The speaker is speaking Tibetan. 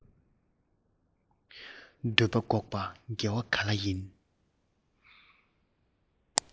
འདོད པ འགོག པ དགེ བ ག ལ ཡིན